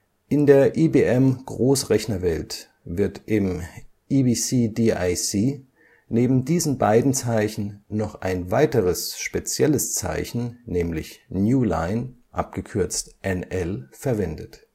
In der IBM-Großrechnerwelt wird im EBCDIC neben diesen beiden Zeichen noch ein weiteres spezielles Zeichen (New Line, NL) verwendet